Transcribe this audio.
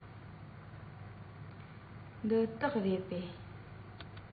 ང ཚོའི ཁྱིམ གྱིས འཕྲལ མ ཉིད དུ གཅེན མོ མནའ མར སྟེར རྒྱུའི ཁས ལེན བྱས ཤིང